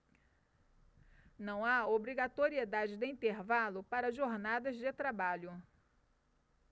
não há obrigatoriedade de intervalo para jornadas de trabalho